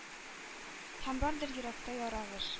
Һәм бардыр йөрәктә ярагыз.